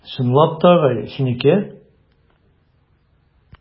Чынлап та, агай, синеке?